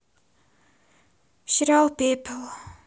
сериал пепел